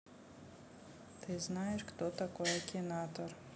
ты знаешь кто такой акинатор